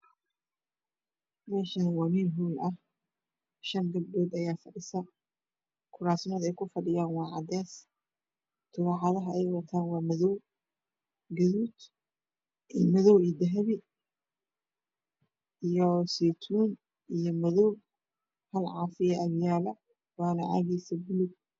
Mashan waa hool wax fadhiyo shan gabdhod kurasta eey kudhan waa cades taraxat eey watan waa madow iyo gadud iyo dahabi